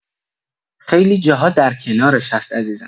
خیلی جاها در کنارش هست عزیزم